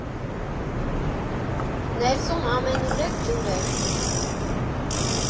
Ներսում ամենուրեք ջուր էր։